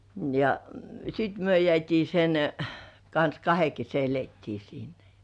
ja sitten me jäätiin sen kanssa kahden kesken elettiin siinä ja